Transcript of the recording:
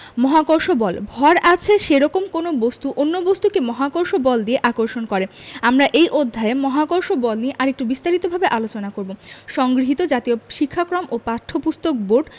মহাকর্ষ বল ভর আছে সেরকম যেকোনো বস্তু অন্য বস্তুকে মহাকর্ষ বল দিয়ে আকর্ষণ করে আমরা এই অধ্যায়ে মহাকর্ষ বল নিয়ে আরেকটু বিস্তারিতভাবে আলোচনা করব সংগৃহীত জাতীয় শিক্ষাক্রম ও পাঠ্যপুস্তক বোর্ড